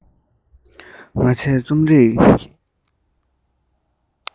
ང ཚོས རྩོམ རིག གི